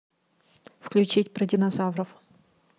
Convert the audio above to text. включить про динозавров